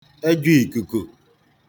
ejō ìkùkù